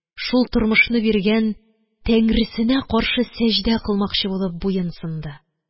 Шул тормышны биргән Тәңресенә каршы сәҗдә кылмакчы булып буен сынды